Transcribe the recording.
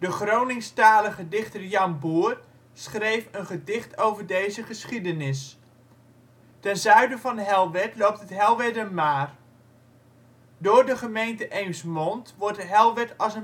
Groningstalige dichter Jan Boer schreef een gedicht over deze geschiedenis. Ten zuiden van Helwerd loopt het Helwerdermaar. Door de gemeente Eemsmond wordt Helwerd als